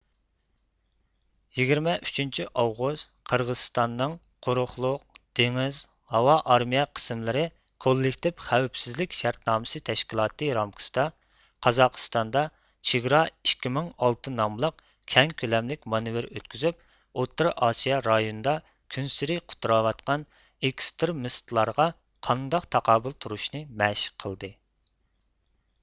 يىگىرمە ئۈچىنچى ئاۋغۇست قىرغىزىستاننىڭ قۇرۇقلۇق دېڭىز ھاۋا ئارمىيە قىسىملىرى كوللېكتىپ خەۋپسىزلىك شەرتنامىسى تەشكىلاتى رامكىسىدا قازاقىستاندا چېگرا ئىككى مىڭ ئالتە ناملىق كەڭ كۆلەملىك مانېۋىر ئۆتكۈزۈپ ئوتتۇرا ئاسىيا رايونىدا كۈنسېرى قۇتراۋاتقان ئېكستىرمىستلارغا قانداق تاقابىل تۇرۇشنى مەشىق قىلدى